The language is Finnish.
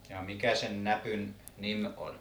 jaa mikä sen näpyn nimi on